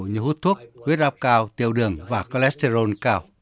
như hút thuốc huyết áp cao tiểu đường và co lét tơ rôn cao